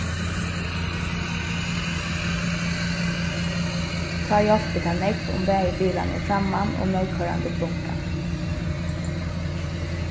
tá hjálpir tað nógv um bæði bilarnir framman og mótkoyrandi blunka